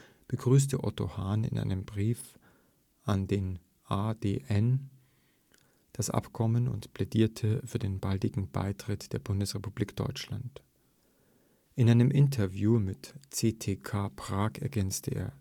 begrüßte Otto Hahn in einem Brief an den ADN das Abkommen und plädierte für den baldigen Beitritt der Bundesrepublik Deutschland: In einem Interview mit CTK, Prag, ergänzte er